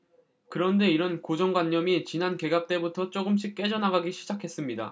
그런데 이런 고정관념이 지난 개각 때부터 조금씩 깨져나가기 시작했습니다